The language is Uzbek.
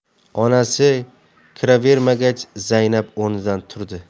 onasi kiravermagach zaynab o'rnidan turdi